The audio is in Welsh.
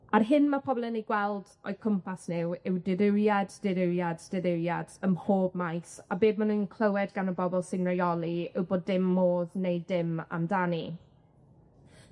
A'r hyn ma' pobol yn eu gweld o'u cwmpas nw yw dirywiad, dirywiad, dirywiad ym mhob maes, a beth ma' nw'n clywed gan y bobol sy'n reoli yw bod dim modd wneud dim amdani.